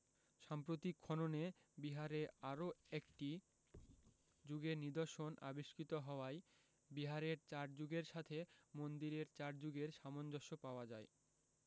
সাম্প্রতিক খননে বিহারে আরও একটি যুগের নিদর্শন আবিষ্কৃত হওয়ায় বিহারের ৪ যুগের সাথে মন্দিরের ৪ যুগের সামঞ্জস্য পাওয়া যায়